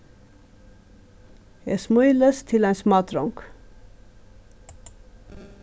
eg smílist til ein smádrong